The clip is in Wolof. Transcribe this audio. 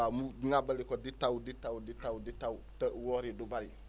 waaw mu dàbbali ko di taw di taw di taw di taw te woor yi du bëri